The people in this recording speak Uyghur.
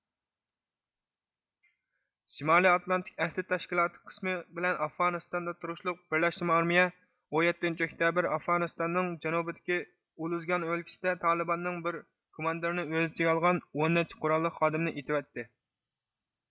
شىمالي ئاتلانتىك ئەھدى تەشكىلاتى قىسمى بىلەن ئافغانىستاندا تۇرۇشلۇق بىرلەشمە ئارمىيە ئون يەتتنچى ئۆكتەبىر ئافغانىستاننىڭ جەنۇبىدىكى ئۇلۇزگان ئۆلكىسىدە تالىباننىڭ بىر كوماندىرنى ئۆز ئىچىگە ئالغان ئون نەچچە قۇراللىق خادىمىنى ئېتىۋەتتى